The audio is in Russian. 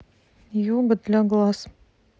йога для глаз